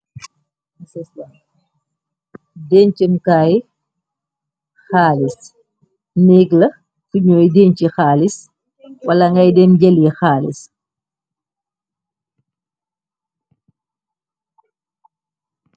Denchum kay xalis , nekk la , funyuy denchi xalis , wala ngaye dem jelli xalis.